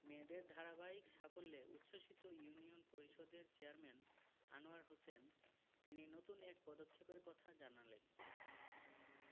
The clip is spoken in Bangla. মেয়েদের ধারাবাহিক সাফল্যে উচ্ছ্বসিত ইউনিয়ন পরিষদের চেয়ারম্যান আনোয়ার হোসেন তিনি নতুন এক পদক্ষেপের কথা জানালেন